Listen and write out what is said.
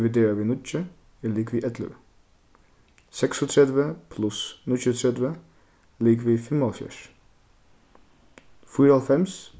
dividerað við níggju er ligvið ellivu seksogtretivu pluss níggjuogtretivu ligvið fimmoghálvfjerðs fýraoghálvfems